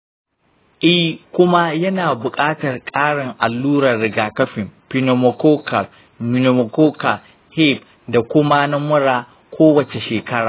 ee, kuma yana buƙatar ƙarin alluran rigakafi: pneumococcal, meningococcal, hib, da kuma na mura kowace shekara.